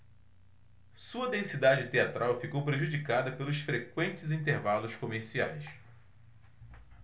sua densidade teatral ficou prejudicada pelos frequentes intervalos comerciais